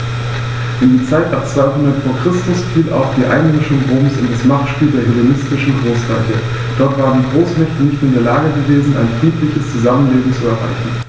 In die Zeit ab 200 v. Chr. fiel auch die Einmischung Roms in das Machtspiel der hellenistischen Großreiche: Dort waren die Großmächte nicht in der Lage gewesen, ein friedliches Zusammenleben zu erreichen.